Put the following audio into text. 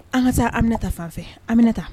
An ka taa anmina ta fanfɛ an bɛ taa